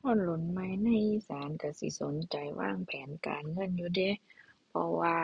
คนรุ่นใหม่ในอีสานก็สิสนใจวางแผนการเงินอยู่เดะ เพราะว่า